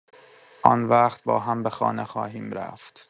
آن‌وقت باهم به خانه خواهیم رفت.